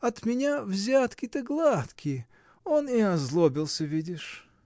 От меня взятки-то гладки, он и озлобился, видишь!